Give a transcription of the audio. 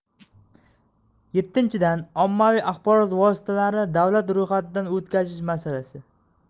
yettinchidan ommaviy axborot vositalarini davlat ro'yxatidan o'tkazish masalasi